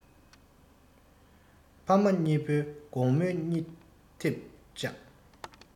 ཕ མ གཉིས པོའི དགོང མོའི གཉིད ཐེབས བཅག